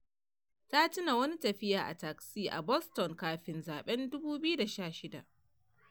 Ta tuna wani tafiya a taksi a Boston kafin zaben 2016.